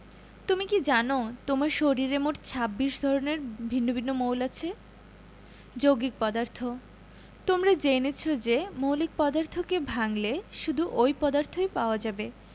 তুমি কি জানো তোমার শরীরে মোট ২৬ ধরনের ভিন্ন ভিন্ন মৌল আছে যৌগিক পদার্থ তোমরা জেনেছ যে মৌলিক পদার্থকে ভাঙলে শুধু ঐ পদার্থই পাওয়া যাবে